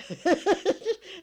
( nauraa )